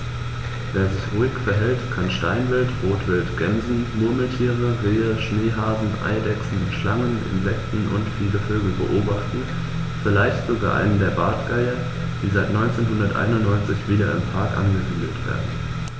Wer sich ruhig verhält, kann Steinwild, Rotwild, Gämsen, Murmeltiere, Rehe, Schneehasen, Eidechsen, Schlangen, Insekten und viele Vögel beobachten, vielleicht sogar einen der Bartgeier, die seit 1991 wieder im Park angesiedelt werden.